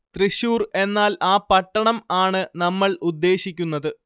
തൃശ്ശൂർ എന്നാൽ ആ പട്ടണം ആണ് നമ്മൾ ഉദ്ദേശിക്കുന്നത്